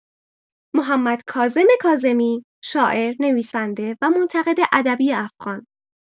محمدکاظم کاظمی شاعر، نویسنده و منتقد ادبی افغان